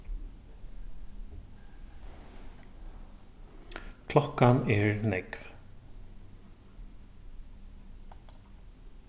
klokkan er nógv